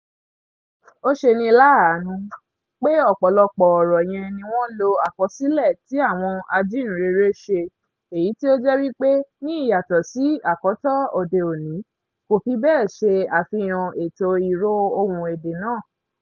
Ó ṣeni láàánú, pé ọ̀pọ̀lọpọ̀ ọ̀rọ̀ yẹn ni wọ́n lo àkọsílẹ̀ tí àwọn ajíìnrere ṣe èyí tí ó jẹ́ wípé, ní ìyàtọ̀ sí àkọ́kọ́ òde òní, kò fi bẹ́ẹ̀ ṣe àfihàn ètò ìró ohùn èdè náà.